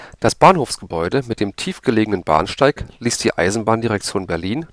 Das Bahnhofsgebäude mit dem tief gelegenen Bahnsteig ließ die Eisenbahndirektion Berlin